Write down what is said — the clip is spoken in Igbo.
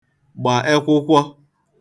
gbà ekwụkwọ